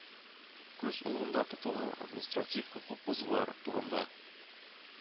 Күз уңында тотылган административ хокук бозулар турында